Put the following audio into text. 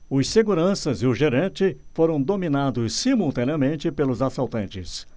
os seguranças e o gerente foram dominados simultaneamente pelos assaltantes